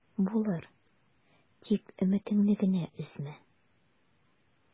Булыр, тик өметеңне өзмә генә...